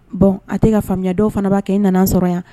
Bɔn a tɛ ka faamuya dɔw fanaba kɛ i nana sɔrɔ yan